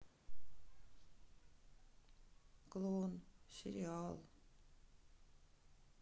клон сериал